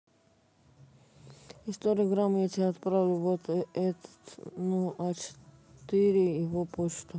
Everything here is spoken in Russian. история грамма я тебя отправлю вот этот ну а четыре его почту